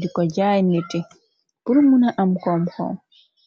di ko jaay niti, purr muna am kom hom.